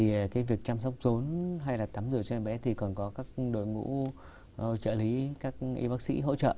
thì cái việc chăm sóc rốn hay là tắm rửa cho bé thì còn có các quân đội ngũ trợ lý các y bác sĩ hỗ trợ